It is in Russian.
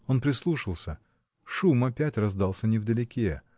Он прислушался: шум опять раздался невдалеке.